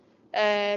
yym